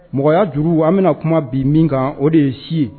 Mɔgɔya juru an bɛna kuma bi min kan o de ye si ye